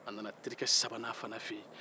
a nana terikɛ sabanan fana fɛ yen